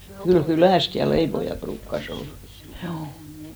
kyllä kylästä ja leipoja ruukasi olla juu